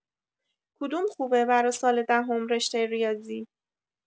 کدوم خوبه برا سال دهم رشته ریاضی؟